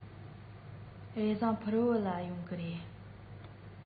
རེས གཟའ ཕུར བུ ལ ཡོང གི རེད